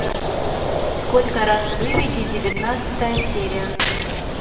сколько раз выведи девятнадцатая серия